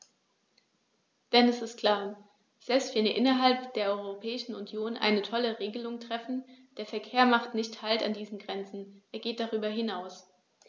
Denn es ist klar: Selbst wenn wir innerhalb der Europäischen Union eine tolle Regelung treffen, der Verkehr macht nicht Halt an diesen Grenzen, er geht darüber hinaus.